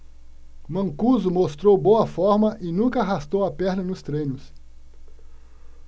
mancuso mostrou boa forma e nunca arrastou a perna nos treinos